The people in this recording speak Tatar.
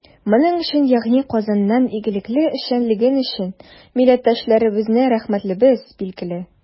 Моның өчен, ягъни Казанның игелекле эшчәнлеге өчен, милләттәшләребезгә рәхмәтлебез, билгеле.